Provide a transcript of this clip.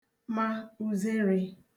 ma uzerē